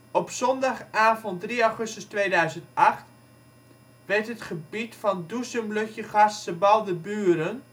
Op zondagavond 3 augustus 2008 werd het buitengebied van Doezum-Lutjegast-Sebaldeburen